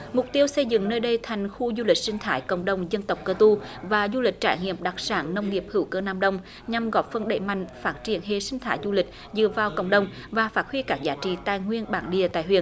mục tiêu xây dựng nơi đây thành khu du lịch sinh thái cộng đồng dân tộc cơ tu và du lịch trải nghiệm đặc sản nông nghiệp hữu cơ nam đồng nhằm góp phần đẩy mạnh phát triển hệ sinh thái du lịch dựa vào cộng đồng và phát huy các giá trị tài nguyên bản địa tại huyện